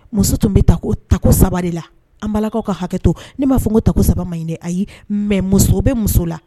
Muso tun bɛ ta ko tago saba de la an b balakaw ka hakɛ to ne m' fɔ ko tago saba ma ɲini ayi mɛ muso bɛ muso la